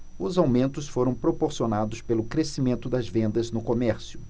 os aumentos foram proporcionados pelo crescimento das vendas no comércio